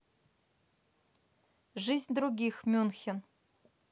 жизнь других мюнхен